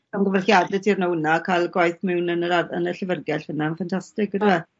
Llongyfarchiadau ti arno wnna. Ca'l 'gwaith mewn yn yr ar- yn y Llyfyrgell fyn 'na. Ffantastig on'd yw e?